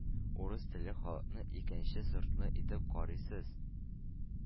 «урыс телле халык»ны икенче сортлы итеп карыйсыз,